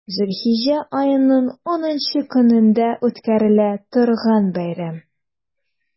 Зөлхиҗҗә аеның унынчы көнендә үткәрелә торган бәйрәм.